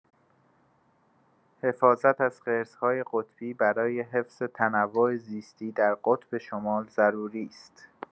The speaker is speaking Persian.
حفاظت از خرس‌های قطبی برای حفظ تنوع زیستی در قطب شمال ضروری است.